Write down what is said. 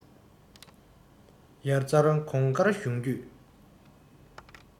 ཡར གཙང གོང དཀར གཞུང བརྒྱུད